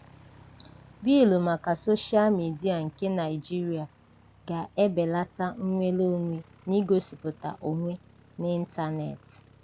Bịịlụ maka soshaa midịa nke Naịjirịa ga-ebeleta nnwere onwe n'igosipụta onwe n'ịntaneetị